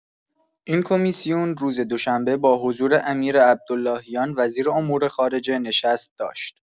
این کمیسیون روز دوشنبه با حضور امیرعبداللهیان وزیر امور خارجه نشست داشت.